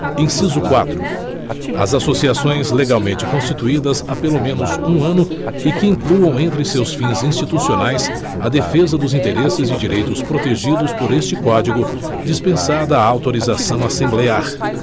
inciso quatro as associações legalmente constituídas há pelo menos um ano e que incluam entre seus fins institucionais a defesa dos interesses e direitos protegidos por este código dispensada a autorização assemblear